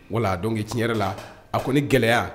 Wala a dɔn' tiɲɛ yɛrɛ la a ko ni gɛlɛya